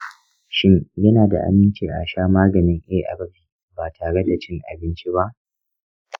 shin yana da aminci a sha maganin arv ba tare da cin abinci ba?